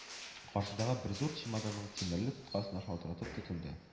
Каршыдагы бер зур чемоданның тимерле тоткасына шалтыратырга тотынды